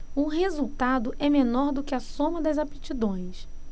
o resultado é menor do que a soma das aptidões